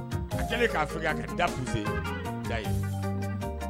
J k'a sɔrɔ'a ka dase da ye